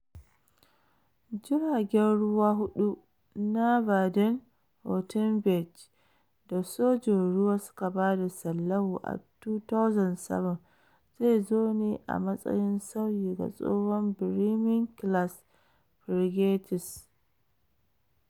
Jiragen ruwa hudu na Baden-Wuerttemberg da Sojin ruwa suka bada sallahu a 2007 zai zo ne a matsayin sauyi ga tsohon Bremen-class frigates.